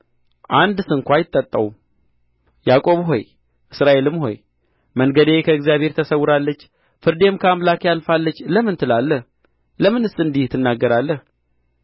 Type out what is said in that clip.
አንድስ እንኳ አይታጣውም ያዕቆብ ሆይ እስራኤልም ሆይ መንገዴ ከእግዚአብሔር ተሰውራለች ፍርዴም ከአምላኬ አልፋለች ለምን ትላለህ ለምንስ እንዲህ ትናገራለህ